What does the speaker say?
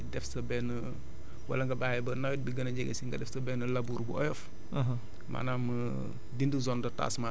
période bi ñu nekk nii boo mënee def sa benn wala nga bàyyi ba nawet bi gën a jege si nga def sa benn labour gu oyof